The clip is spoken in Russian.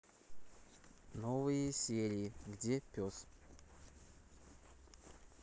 новые серии где пес